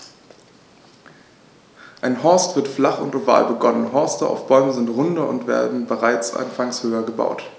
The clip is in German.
Ein Horst wird flach und oval begonnen, Horste auf Bäumen sind runder und werden bereits anfangs höher gebaut.